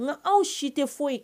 Nka aw si tɛ foyi ye